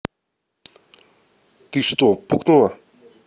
ты что пукнула